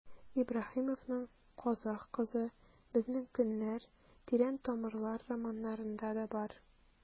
Ибраһимовның «Казакъ кызы», «Безнең көннәр», «Тирән тамырлар» романнарында да бар.